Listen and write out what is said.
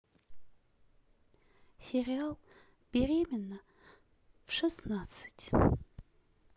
сериал беременна в шестнадцать